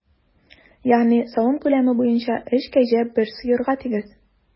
Ягъни савым күләме буенча өч кәҗә бер сыерга тигез.